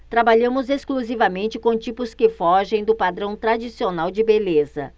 trabalhamos exclusivamente com tipos que fogem do padrão tradicional de beleza